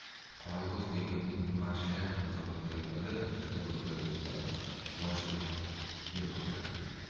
qorako'z begimning umarshayx mirzoga termilib turgan ko'zlarida yosh yiltilladi